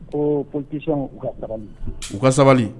Ɔ p u ka u ka sabali